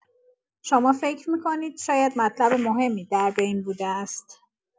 شما فکر می‌کنید شاید مطلب مهمی در بین بوده است.